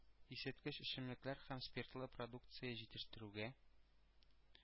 Исерткеч эчемлекләр һәм спиртлы продукция җитештерүгә,